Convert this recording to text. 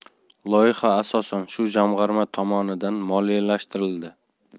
loyiha asosan shu jamg'arma tomonidan moliyalashtirildi